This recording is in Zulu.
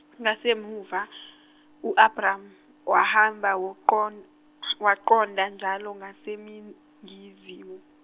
ngasemuva u Abram wahamba waqon- waqonda njalo ngaseningizimu.